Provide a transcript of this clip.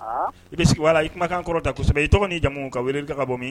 I bɛ sigi la i kumakan kan kɔrɔ tasɛbɛ i tɔgɔ ni jamumu ka weele i ka bɔ min